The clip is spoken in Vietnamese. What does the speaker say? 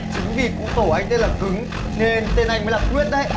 chính vì cụ tổ anh tên là cứng nên tên anh mới quyết đấy